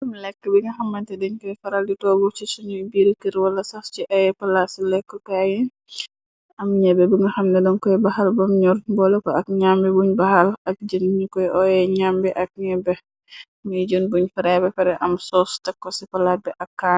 Leekë bi nga xamante deñ koy faral di toogu si su nuy biir kër wala sax si aye palaasi lekku kaay yi. Am ñebbe bu nga xam ne, dañg kooy baxal bam ñor boole ko ak ñaambi buñ baxal ak jën, ñun koy ooye ñambi ak ñebbe, muy jën buñ faraay ba pare am soos, tekko ci palaat bi ak can.